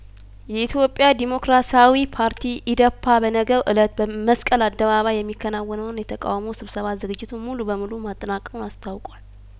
የኢትዮጵያ ዲሞክራሳዊ ፓርቲ ኢዴፓ በነገው እለት በመስቀል አደባባይ የሚያከናውነውን የተቃውሞ ስብሰባ ዝግጅት ሙሉ በሙሉ ማጠናቀቁን አስታውቋል